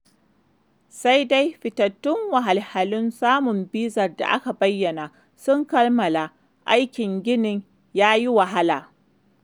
Sai dai fitattun wahalhalun samun bizar da aka bayyana sun kammala aikin ginin ya yi wahala.